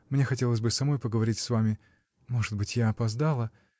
Мне хотелось бы самой поговорить с вами. может быть, я опоздала.